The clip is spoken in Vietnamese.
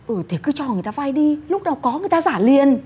ừ thì cứ cho người ta vay đi lúc nào có người ta giả liền